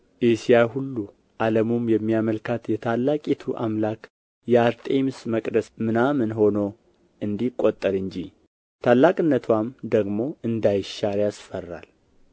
እስያ ሁሉ ዓለሙም የሚያመልካት የታላቂቱ አምላክ የአርጤምስ መቅደስ ምናምን ሆኖ እንዲቆጠር እንጂ ታላቅነትዋም ደግሞ እንዳይሻር ያስፈራል